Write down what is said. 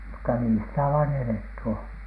mutta niin sitä vain eletty on